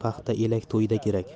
paxta elak to'yda kerak